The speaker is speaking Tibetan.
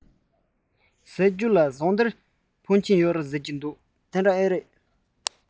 ཟེར ཡས ལ ཟངས གཏེར འཕོན ཆེན ཡོད རེད ཟེར གྱིས དེ འདྲ ཨེ ཡིན